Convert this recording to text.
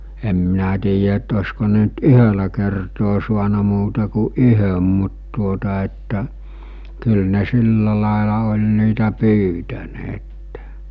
en minä tiedä että olisiko ne nyt yhdellä kertaa saanut muuta kuin yhden mutta tuota että kyllä ne sillä lailla oli niitä pyytäneet